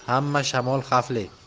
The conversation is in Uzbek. hamma shamol xavfli